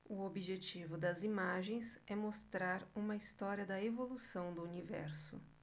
o objetivo das imagens é mostrar uma história da evolução do universo